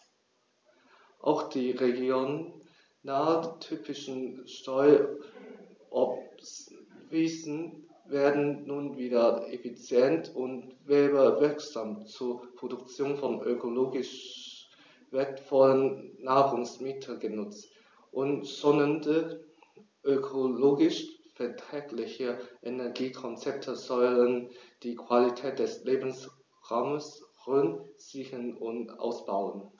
Auch die regionaltypischen Streuobstwiesen werden nun wieder effizient und werbewirksam zur Produktion von ökologisch wertvollen Nahrungsmitteln genutzt, und schonende, ökologisch verträgliche Energiekonzepte sollen die Qualität des Lebensraumes Rhön sichern und ausbauen.